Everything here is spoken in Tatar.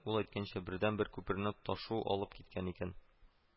Ул әйткәнчә, бердәнбер күперне ташу алып киткән икән